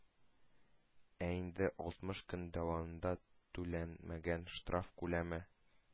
Ә инде алтмыш көн дәвамында түләнмәгән штраф күләме,